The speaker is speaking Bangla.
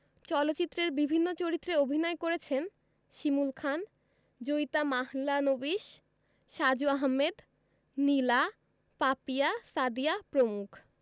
চলচ্চিত্রের বিভিন্ন চরিত্রে অভিনয় করেছেন শিমুল খান জয়িতা মাহলানোবিশ সাজু আহমেদ নীলা পাপিয়া সাদিয়া প্রমুখ